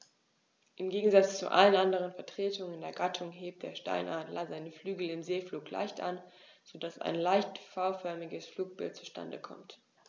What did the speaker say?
Im Gegensatz zu allen anderen Vertretern der Gattung hebt der Steinadler seine Flügel im Segelflug leicht an, so dass ein leicht V-förmiges Flugbild zustande kommt.